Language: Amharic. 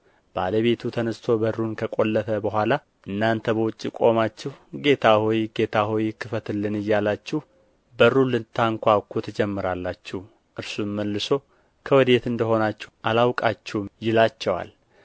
ባለቤቱ ተነሥቶ በሩን ከቈለፈ በኋላ እናንተ በውጭ ቆማችሁ ጌታ ሆይ ጌታ ሆይ ክፈትልን እያላችሁ በሩን ልታንኳኩ ትጀምራላችሁ እርሱም መልሶ ከወዴት እንደ ሆናችሁ አላውቃችሁም ይላችኋል